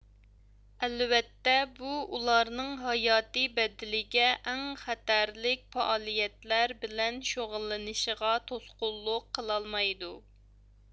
ئەلۋەتتە بۇ ئۇلارنىڭ ھاياتى بەدىلىگە ئەڭ خەتەرلىك پائالىيەتلەر بىلەن شۇغۇللىنىشىغا توسقۇنلۇق قىلالمايدۇ